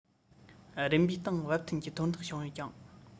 རིམ པའི སྟེང བབ མཐུན གྱི མཐོར འདེགས བྱུང ཡོད ཅིང